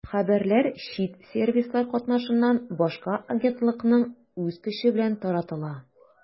Хәбәрләр чит сервислар катнашыннан башка агентлыкның үз көче белән таратыла.